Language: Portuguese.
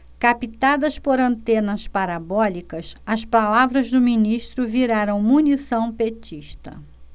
captadas por antenas parabólicas as palavras do ministro viraram munição petista